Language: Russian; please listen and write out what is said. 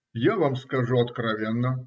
- Я вам скажу откровенно,